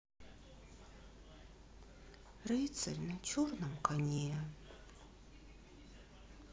рыцарь на черном коне